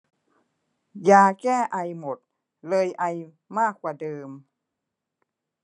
ยาแก้ไอหมดเลยไอมากกว่าเดิม